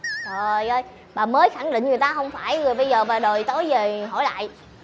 trời ơi bà mới khẳng định người ta không phải rồi bây giờ bà đòi tối về hỏi lại